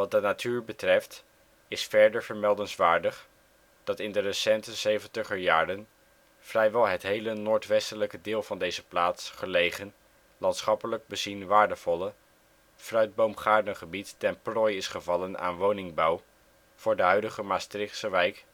de natuur betreft is verder vermeldenswaard, dat in de recente zeventiger jaren vrijwel het hele noord-westelijk van deze plaats gelegen, landschappelijk bezien waardevolle, fruitboomgaardengebied ten prooi is gevallen aan woningbouw voor de huidige Maastrichtse wijk